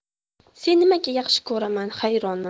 seni nimaga yaxshi ko'raman hayronman